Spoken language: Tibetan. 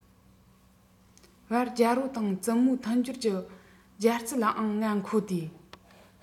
བར རྒྱལ པོ དང བཙུན མོའི མཐུན སྦྱོར གྱི སྦྱར རྩི ལའང ང མཁོ སྟེ